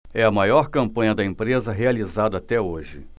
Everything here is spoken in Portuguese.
é a maior campanha da empresa realizada até hoje